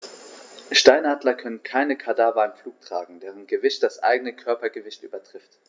Steinadler können keine Kadaver im Flug tragen, deren Gewicht das eigene Körpergewicht übertrifft.